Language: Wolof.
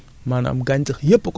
te phosphore boobu noonu